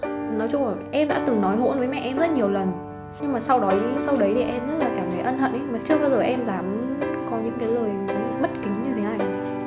nói chung là em đã từng nói hỗn với mẹ em rất nhiều lần nhưng mà sau đó sau đấy thì em rất là cảm thấy ân hận ý mà chưa bao giờ em dám có những cái lời bất kính như thế này